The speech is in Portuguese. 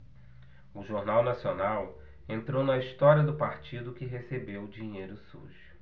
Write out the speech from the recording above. o jornal nacional entrou na história do partido que recebeu dinheiro sujo